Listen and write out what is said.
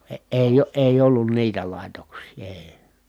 - ei ei ollut niitä laitoksia ei